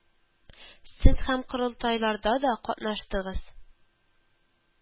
Сез һәм корылтайларда да катнаштыгыз